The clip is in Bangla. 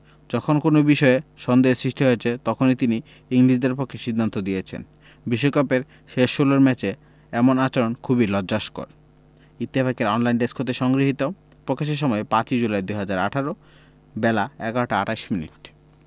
যখন কোনো বিষয়ে সন্দেহের সৃষ্টি হয়েছে তখনই তিনি ইংলিশদের পক্ষে সিদ্ধান্ত দিয়েছেন বিশ্বকাপের শেষ ষোলর ম্যাচে এমন আচরণ খুবই লজ্জাস্কর ইত্তফাকের অনলাইন ডেস্ক হতে সংগৃহীত প্রকাশের সময় ৫ জুলাই ২০১৮ বেলা১১টা ২৮ মিনিট